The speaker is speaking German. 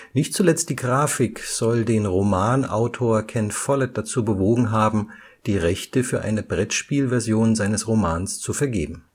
Nicht zuletzt die Grafik soll den Romanautor Ken Follett dazu bewogen haben, die Rechte für eine Brettspielversion seines Romans zu vergeben